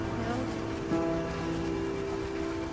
Ti'n iawn?